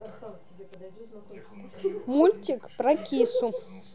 мультик про кису